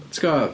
Tibod?